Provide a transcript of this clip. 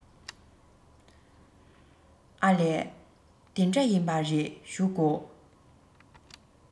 ཨ ལས དེ འདྲ ཡིན པ རེད བཞུགས དགོ